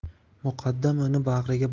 muqaddam uni bag'riga